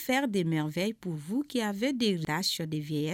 Fɛnw defɛ pu v de lasɔdiya